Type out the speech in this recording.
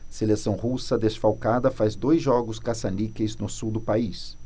seleção russa desfalcada faz dois jogos caça-níqueis no sul do país